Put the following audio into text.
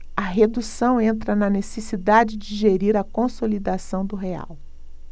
a redução entra na necessidade de gerir a consolidação do real